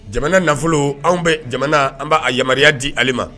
Jamana nafolo anw bɛ jamana an b'a yamaruya di ale ma.